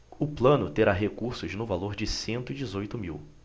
o plano terá recursos no valor de cento e dezoito mil